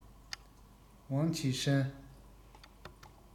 ཝང ཆི ཧྲན